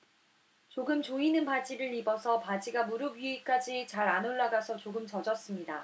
조금 조이는 바지를 입어서 바지가 무릎 위까지 잘 안 올라가서 조금 젖었습니다